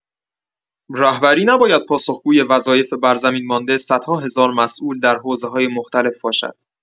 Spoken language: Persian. رهبری نباید پاسخگوی وظایف بر زمین مانده صدها هزار مسئول در حوزه‌های مختلف باشد.